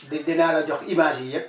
di dinaa la jox image yi yëpp